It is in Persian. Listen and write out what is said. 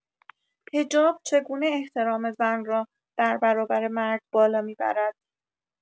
حجاب چگونه احترام زن را در برابر مرد بالا می‌برد؟